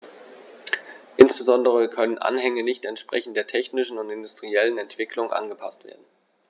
Insbesondere können Anhänge nicht entsprechend der technischen und industriellen Entwicklung angepaßt werden.